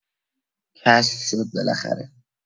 کشف شد بالاخره